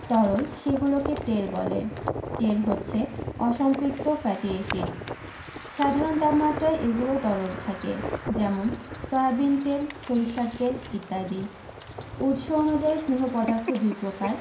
তরল সেগুলোকে তেল বলে তেল হচ্ছে অসম্পৃক্ত ফ্যাটি এসিড সাধারণ তাপমাত্রায় এগুলো তরল থাকে যেমন সয়াবিন তেল সরিষার তেল ইত্যাদি উৎস অনুযায়ী স্নেহ পদার্থ দুই প্রকার